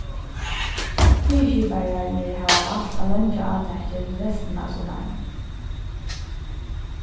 fyriskipararnir hava valt at leingja átakið til restina av summarinum